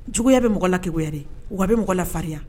Juguya bɛ mɔgɔ la keguya de w'a bɛ mɔgɔ la farinya.